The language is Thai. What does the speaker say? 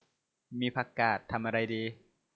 มีผักกาดทำอะไรดี